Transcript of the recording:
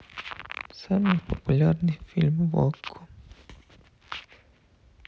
самый популярный фильм в окко